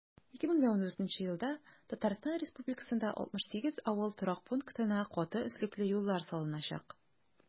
2014 елда татарстан республикасында 68 авыл торак пунктына каты өслекле юллар салыначак.